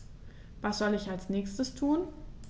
Was soll ich als Nächstes tun?